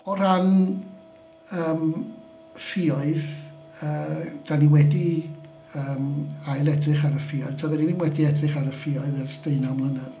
O ran yym ffïoedd, yy dan ni wedi yym ail edrych ar y ffïoedd, toedden ni ddim wedi edrych ar y ffïoedd ers deunaw mlynedd